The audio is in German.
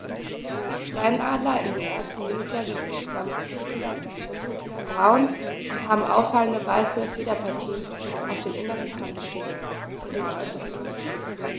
Steinadler im ersten Lebensjahr sind insgesamt dunkler braun und haben auffallende, weiße Federpartien auf den inneren Handschwingen und den äußeren Armschwingen.